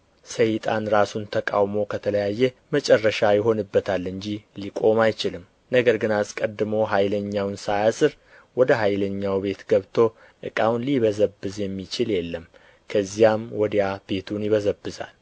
ሰይጣንም ራሱን ተቃውሞ ከተለያየ መጨረሻ ይሆንበታል እንጂ ሊቆም አይችልም ነገር ግን አስቀድሞ ኃይለኛውን ሳያስር ወደ ኃይለኛው ቤት ገብቶ ዕቃውን ሊበዘብዝ የሚችል የለም ከዚያም ወዲያ ቤቱን ይበዘብዛል